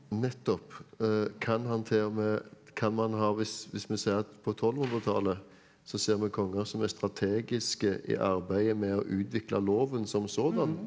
nettopp kan han t.o.m. kan man ha hvis hvis vi ser på tolvhundretallet så ser vi konger som er strategiske i arbeidet med å utvikle loven som sådan.